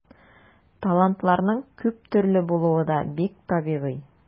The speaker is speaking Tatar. Талантларның күп төрле булуы да бик табигый.